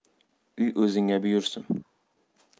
uy o'zingga buyursin